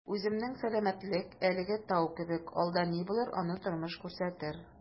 Үземнең сәламәтлек әлегә «тау» кебек, алда ни булыр - аны тормыш күрсәтер...